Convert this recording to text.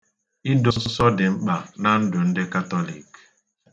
Ido nsọ dị mkpa na ndụ ndị Katolik.